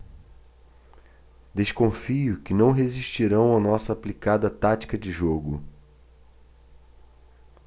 desconfio que não resistirão à nossa aplicada tática de jogo